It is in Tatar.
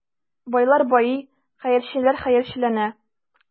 Байлар байый, хәерчеләр хәерчеләнә.